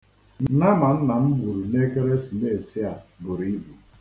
Nama nna m gburu n'ekeresimeesi a buru ibu.